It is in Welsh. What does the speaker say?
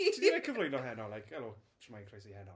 Cyflwyno Heno like "Helo, shwmae, croeso i Heno".